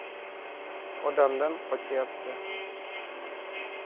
odamdan qochyapti